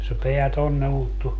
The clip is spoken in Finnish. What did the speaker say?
se pää tuonne ulottui